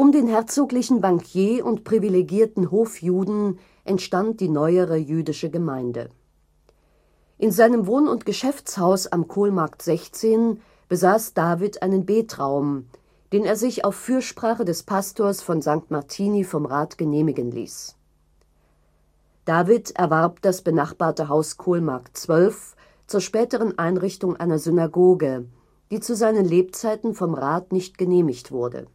herzoglichen Bankier und privilegierten Hofjuden entstand die neuere jüdische Gemeinde. In seinem Wohn - und Geschäftshaus am Kohlmarkt 16 besaß David einen Betraum, den er sich auf Fürsprache des Pastors von St. Martini vom Rat genehmigen ließ. David erwarb das benachbarte Haus Kohlmarkt 12 zur späteren Einrichtung einer Synagoge, die zu seinen Lebzeiten vom Rat nicht genehmigt wurde